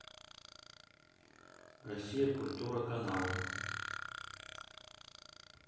россия культура канал